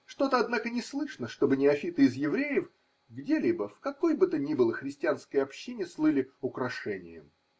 Что-то, однако, не слышно, чтобы неофиты из евреев где-либо, в какой бы то ни было христианской общине слыли украшением.